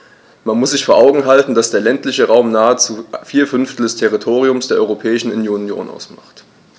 Man muss sich vor Augen halten, dass der ländliche Raum nahezu vier Fünftel des Territoriums der Europäischen Union ausmacht.